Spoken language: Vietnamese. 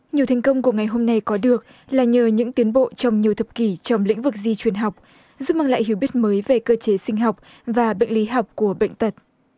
nhiều thành công của ngày hôm nay có được là nhờ những tiến bộ trong nhiều thập kỷ trong lĩnh vực di truyền học giúp mang lại hiểu biết mới về cơ chế sinh học và bệnh lý học của bệnh tật